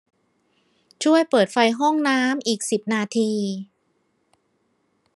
ช่วยเปิดไฟห้องน้ำอีกสิบนาที